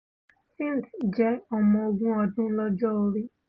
Sims jẹ́ ọmọ ogún ọdún lọ́jọ́ orí.